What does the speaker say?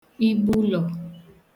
ịgbụụlọ̀